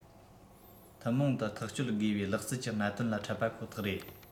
ཐུན མོང དུ ཐག གཅོད དགོས པའི ལག རྩལ གྱི གནད དོན ལ འཕྲད པ ཁོ ཐག རེད